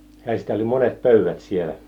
ai sitä oli monet pöydät siellä